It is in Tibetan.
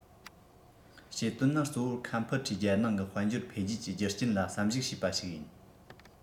བྱེད དོན ནི གཙོ བོ ཁམ ཕུ ཁྲེའི རྒྱལ ནང གི དཔལ འབྱོར འཕེལ རྒྱས ཀྱི རྒྱུ རྐྱེན ལ བསམ གཞིགས བྱས པ ཞིག ཡིན